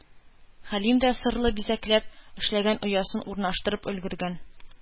Хәлим дә сырлы-бизәкләп эшләнгән оясын урнаштырып өлгергән.